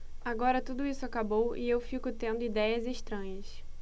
agora tudo isso acabou e eu fico tendo idéias estranhas